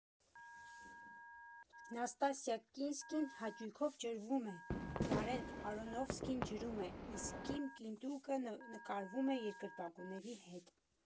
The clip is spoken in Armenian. Նաստասյա Կինսկին հաճույքով ջրվում է, Դարեն Արոնոֆսկին ջրում է, իսկ Կիմ Կի֊դուկը նկարվում է երկրպագուների հետ.